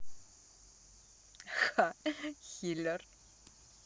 ха хиллер